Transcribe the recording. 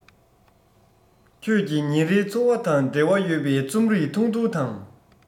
ཁྱོད ཀྱི ཉིན རེའི ཚོར བ དང འབྲེལ བ ཡོད པའི རྩོམ རིག ཐུང ཐུང དང